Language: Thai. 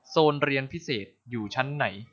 โซนเรียนพิเศษอยู่ชั้นไหน